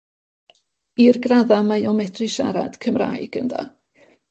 i'r gradda mae o medru siarad Cymraeg ynde?